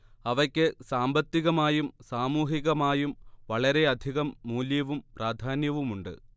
അവയ്ക്ക് സാമ്പത്തികമായും സാമൂഹികമായും വളരെയധികം മൂല്യവും പ്രാധാന്യവുമുണ്ട്